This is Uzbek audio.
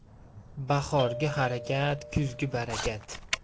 bahorgi harakat kuzgi barakat